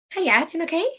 Haia ti'n ok?